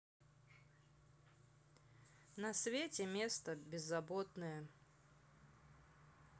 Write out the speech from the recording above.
на свете место беззаботное